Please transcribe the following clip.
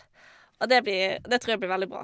Og det blir det tror jeg blir veldig bra.